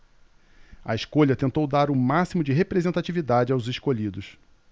a escolha tentou dar o máximo de representatividade aos escolhidos